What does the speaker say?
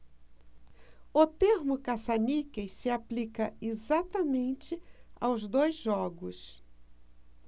o termo caça-níqueis se aplica exatamente aos dois jogos